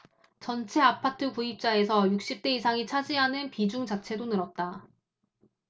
전체 아파트 구입자에서 육십 대 이상이 차지하는 비중 자체도 늘었다